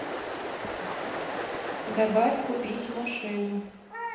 добавь купить машину